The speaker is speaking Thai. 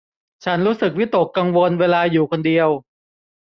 ฉันรู้สึกวิตกกังวลเวลาอยู่คนเดียว